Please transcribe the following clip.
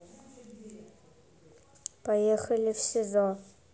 поехали в сизо